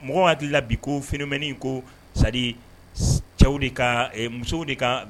Mɔgɔ b'a la bi ko fmin ko sa cɛw de ka musow de ka